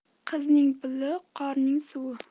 qizning puli qorning suvi